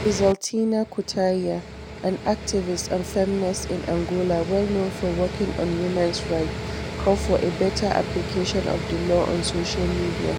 Sizaltina Cutaia, an activist and feminist in Angola well-known for working on women’s rights, called for a better application of the law on social media: